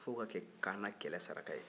fo'o ka kɛ kaana kɛlɛ saraka ye